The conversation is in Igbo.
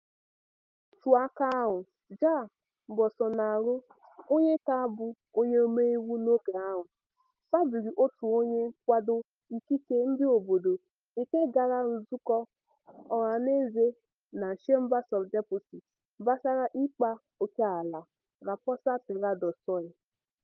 N'otu aka ahụ, Jair Bolsonaro, onye ka bụ onye omeiwu n'oge ahụ, kparịrị otu onye nkwado ikike ndị obodo nke gara nzukọ ọhanaeze na Chamber of Deputies gbasara ịkpa ókèala Raposa Terra do Sol.